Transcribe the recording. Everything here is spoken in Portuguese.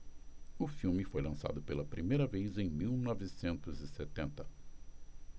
o filme foi lançado pela primeira vez em mil novecentos e setenta